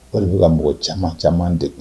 Walima de b'u ka mɔgɔ caman caman de